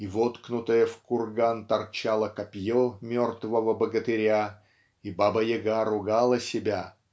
и воткнутое в курган торчало копье мертвого богатыря и Баба-Яга ругала себя